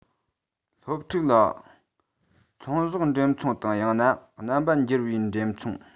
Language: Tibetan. སློབ ཕྲུག ལ ཚོང ཟོག འགྲེམ ཚོང དང ཡང ན རྣམ པ འགྱུར བའི འགྲེམ ཚོང